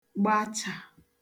gbachà